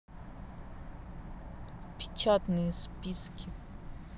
печатные списки